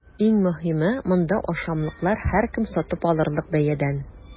Иң мөһиме – монда ашамлыклар һәркем сатып алырлык бәядән!